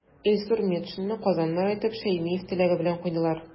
Илсур Метшинны Казан мэры итеп Шәймиев теләге белән куйдылар.